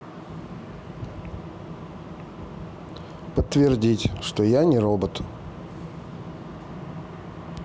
подтвердить что я не робот